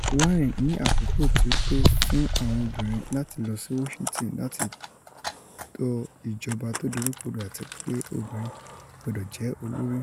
Warren ní àkókò ti tó “fún àwọn òbinrin láti lọ sí Washington láti to ìjọba tó doríkodò, àti pé obìnrin gbọ́dọ̀ jẹ́ olórí.”